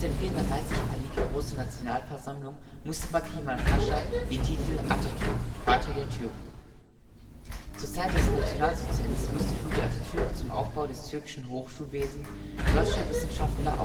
1934 verlieh die große Nationalversammlung Mustafa Kemal Pascha den Titel „ Atatürk “(Vater der Türken). Zur Zeit des Nationalsozialismus lud Atatürk zum Aufbau des türkischen Hochschulwesens deutsche Wissenschaftler